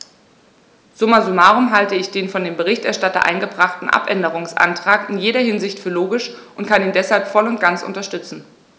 Summa summarum halte ich den von dem Berichterstatter eingebrachten Abänderungsantrag in jeder Hinsicht für logisch und kann ihn deshalb voll und ganz unterstützen.